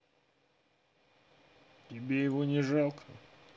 тебе его не жалко